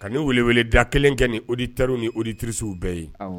Ka nin weele weele da kelen kɛ auditeurs ni auditrices bɛɛ ye.